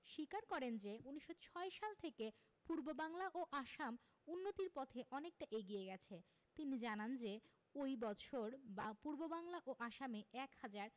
স্বীকার করেন যে ১৯০৬ সাল থেকে পূর্ববাংলা ও আসাম উন্নতির পথে অনেকটা এগিয়ে গেছে তিনি জানান যে ওই বছর বা পূর্ববাংলা ও আসামে ১ হাজার